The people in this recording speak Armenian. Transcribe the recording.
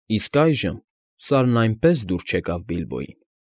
Իսկ այժմ Սարն այնպե՜ս դուր չեկավ Բիլբոյին։